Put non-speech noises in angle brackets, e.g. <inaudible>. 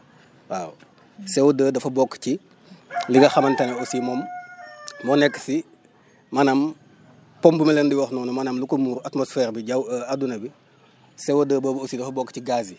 waaw CO2 dfa bokk ci ñu nga <noise> xamante ne aussi moom moo nekk fii maanaam pomme bu la leen di wax noonu maanaam lu ko muur atmosphère bi jaww <hesitation> adduna bi CO2 boobu aussi dafa bokk ci gaz yi